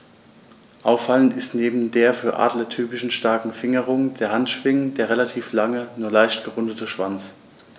Auffallend ist neben der für Adler typischen starken Fingerung der Handschwingen der relativ lange, nur leicht gerundete Schwanz.